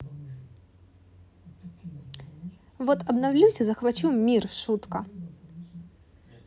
вот обновлюсь и захвачу мир шутка